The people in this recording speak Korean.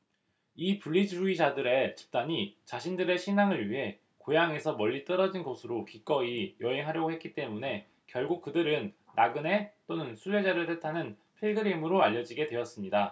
이 분리주의자들의 집단이 자신들의 신앙을 위해 고향에서 멀리 떨어진 곳으로 기꺼이 여행하려고 했기 때문에 결국 그들은 나그네 또는 순례자를 뜻하는 필그림으로 알려지게 되었습니다